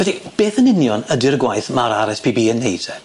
Fyddi beth yn union ydi'r gwaith ma'r ar es pi bi yn neud te?